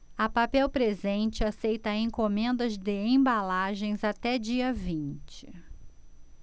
a papel presente aceita encomendas de embalagens até dia vinte